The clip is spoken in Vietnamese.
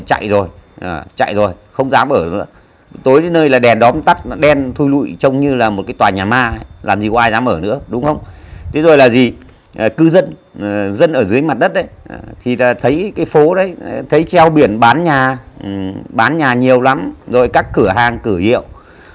chạy rồi chạy rồi không dám ở nữa tối đến nơi là đèn đóm tắt đen thùi lụi trông như là một cái tòa nhà ma làm gì có ai dám ở nữa đúng hông thế giờ là gì cư dân dân ở dưới mặt đất đấy thì là thấy cái phố đấy thấy treo biển bán nhà bán nhà nhiều lắm rồi các cửa hàng cửa hiệu